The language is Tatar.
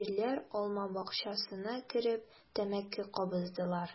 Ирләр алма бакчасына кереп тәмәке кабыздылар.